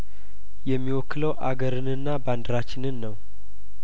የሚወክለው አገርንና ባንዲራችንን ነው